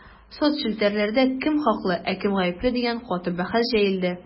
Соцчелтәрләрдә кем хаклы, ә кем гапле дигән каты бәхәс җәелде.